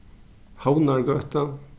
havnargøta